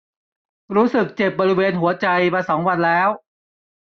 รู้สึกเจ็บบริเวณหัวใจมาสองวันแล้ว